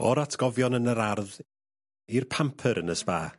O'r atgofion yn yr ardd i'r pamper yn y sba.